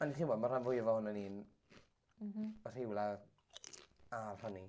Ond chi'n gwybod, ma' rhan fwyaf ohonon ni'n... m-hm... rhywle ar hynny.